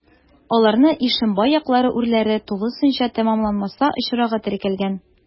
Аларны Ишембай яклары урләре тулысынча тәмамланмаса очрагы теркәлгән.